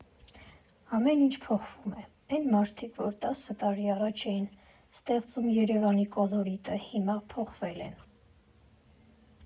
Ամեն ինչ փոխվում է, էն մարդիկ, որ տասը տարի առաջ էին ստեղծում Երևանի կոլորիտը, հիմա փոխվել են։